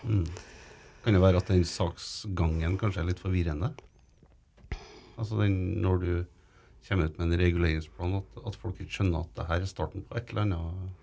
kan det være at den saksgangen kanskje er litt forvirrende altså den når du kommer ut med en reguleringsplan at at folk ikke skjønner at det her er starten på ett eller anna.